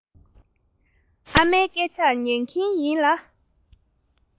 ཨ མའི སྐད ཆར ཉན གྱིན ཡིད ལ